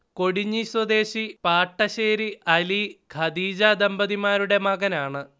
കൊടിഞ്ഞി സ്വദേശി പാട്ടശ്ശേരി അലി -ഖദീജ ദമ്പതിമാരുടെ മകനാണ്